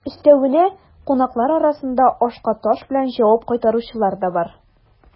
Өстәвенә, кунаклар арасында ашка таш белән җавап кайтаручылар да бар.